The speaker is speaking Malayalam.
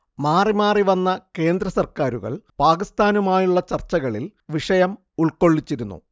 മാറിമാറി വന്ന കേന്ദ്രസർക്കാരുകൾ പാകിസ്താനുമായുള്ള ചർച്ചകളിൽ വിഷയം ഉൾക്കൊള്ളിച്ചിരുന്നു